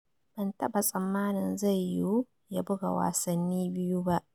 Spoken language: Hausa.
Ban taɓa tsammanin zai yiwu ya buga wasanni biyu ba.